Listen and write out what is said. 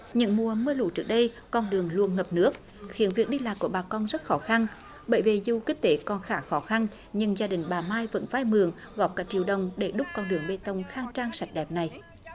những mùa mưa lũ trước đây con đường luôn ngập nước khiến việc đi lại của bà con rất khó khăn bởi vậy dù kinh tế còn khá khó khăn nhưng gia đình bà mai vẫn phai mượn góp cả triệu đồng để đúc con đường bê tông khang trang sạch đẹp này